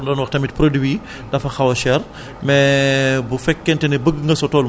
yaa ngi doon wax DPV nekk fële ca Daara Djolof c' :est vrai que yaa ngi wax doon wax tamit produits yi